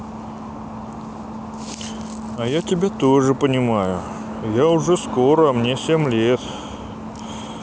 а я тебя тоже понимаю я уже скоро мне семь лет